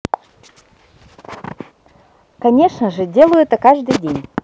конечно же делаю это каждый день